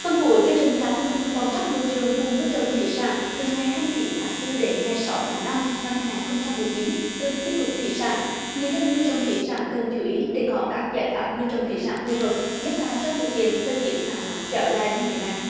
phần cuối chương trình là thông tin quan trắc môi trường vùng nuôi trồng thủy sản từ ngày hai mươi chín tháng tư đến ngày sáu tháng năm năm hai ngàn không trăm mười chín tư chi cục thủy sản người dân nuôi trồng thủy sản cần chú ý để có các giải pháp nuôi trồng thủy sản phù hợp nhất là trong điều kiện thời tiết nắng nóng kéo dài như hiện nay